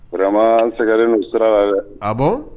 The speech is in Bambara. O sɛgɛnɛrɛ n sira a bɔ